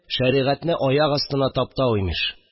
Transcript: Шәригатьне аяк астына таптау, имеш